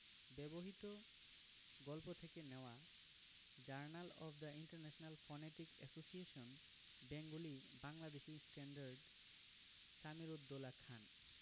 ব্যবহিত গল্প থেকে নেওয়া journal of the international phonetic association Bengali Bangladeshi standard Samir Ud Daula Khan